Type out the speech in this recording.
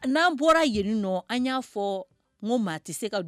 N'an bɔra yen nɔ an y'a fɔ maa tɛ se ka